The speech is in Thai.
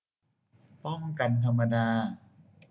ป้องกันธรรมดา